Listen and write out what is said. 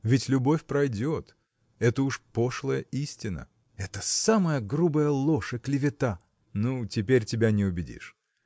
Ведь любовь пройдет – это уж пошлая истина. – Это самая грубая ложь и клевета. – Ну, теперь тебя не убедишь